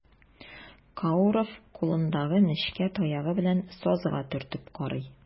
Кауров кулындагы нечкә таягы белән сазга төртеп карый.